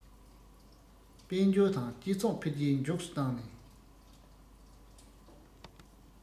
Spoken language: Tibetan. དཔལ འབྱོར དང སྤྱི ཚོགས འཕེལ རྒྱས མགྱོགས སུ བཏང ནས